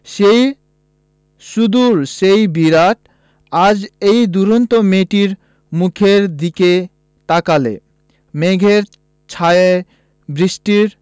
সেই সুদূর সেই বিরাট আজ এই দুরন্ত মেয়েটির মুখের দিকে তাকাল মেঘের ছায়ায় বৃষ্টির